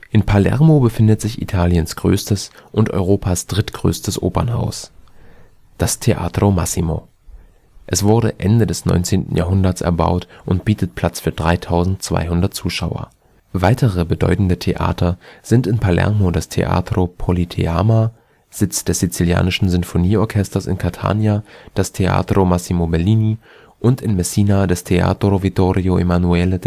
In Palermo befindet sich Italiens größtes und Europas drittgrößtes Opernhaus, das Teatro Massimo. Es wurde Ende des 19. Jahrhunderts erbaut und bietet Platz für 3200 Zuschauer. Weitere bedeutende Theater sind in Palermo das Teatro Politeama, Sitz des sizilianischen Sinfonieorchesters, in Catania das Teatro Massimo Bellini und in Messina das Teatro Vittorio Emanuele